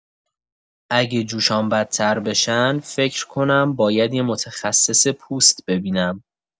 اگه جوشام بدتر بشن، فکر کنم باید یه متخصص پوست ببینم.